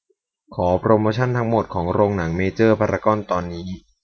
ขอโปรโมชันทั้งหมดของโรงหนังเมเจอร์พารากอนตอนนี้